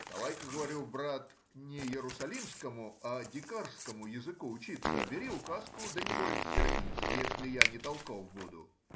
— Давай-ка,— говорю,— брат, не иерусалимскому, а дикарскому языку учиться, бери указку, да не больно сердись, если я не толков буду.